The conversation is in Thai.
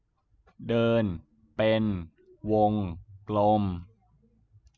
เดินเป็นวงกลม